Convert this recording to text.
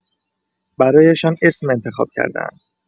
برایشان اسم انتخاب کرده‌ام.